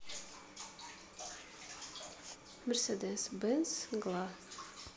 мерседес бенс гла